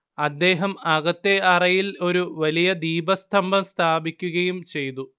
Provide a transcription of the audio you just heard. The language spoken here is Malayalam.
അദ്ദേഹം അകത്തെ അറയിൽ ഒരു വലിയ ദീപസ്തംഭം സ്ഥാപിക്കുകയും ചെയ്തു